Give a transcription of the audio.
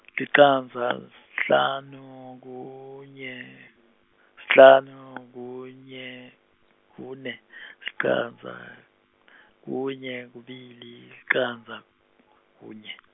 licandza, sihlanu, kunye, sihlanu , kunye, kune, licandza, kunye, kubili, licandza, kunye.